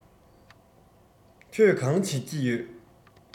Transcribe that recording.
ཁྱོད གང བྱེད ཀྱི ཡོད